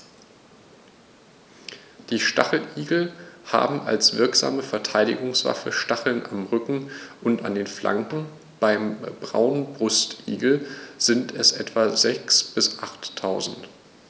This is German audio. Die Stacheligel haben als wirksame Verteidigungswaffe Stacheln am Rücken und an den Flanken (beim Braunbrustigel sind es etwa sechs- bis achttausend).